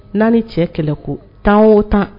Naani ni cɛ kɛlɛ ko tan o tan